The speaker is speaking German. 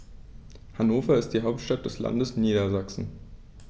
Hannover ist die Hauptstadt des Landes Niedersachsen.